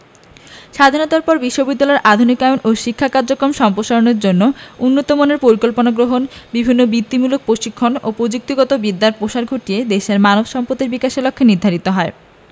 স্বাধীনতার পর বিশ্ববিদ্যালয়ের আধুনিকায়ন ও শিক্ষা কার্যক্রম সম্প্রসারণের জন্য উন্নতমানের পরিকল্পনা গ্রহণ বিভিন্ন বৃত্তিমূলক প্রশিক্ষণ ও প্রযুক্তিগত বিদ্যার প্রসার ঘটিয়ে দেশের মানব সম্পতির বিকাশের লক্ষ্য নির্ধারিত হয়